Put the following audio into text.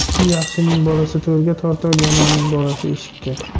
yaxshining bolasi to'rga tortar yomonning bolasi eshikka